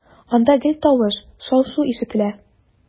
Анда гел тавыш, шау-шу ишетелә.